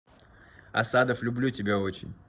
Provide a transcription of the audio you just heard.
асадов люблю тебя очень